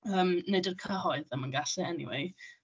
Yym, neu di'r cyhoedd ddim yn gallu eniwe.